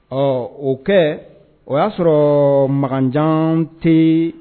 Ɔ o kɛ o y'a sɔrɔ mankanjan tɛ